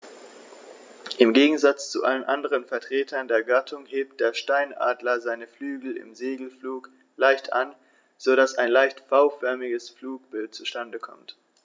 Im Gegensatz zu allen anderen Vertretern der Gattung hebt der Steinadler seine Flügel im Segelflug leicht an, so dass ein leicht V-förmiges Flugbild zustande kommt.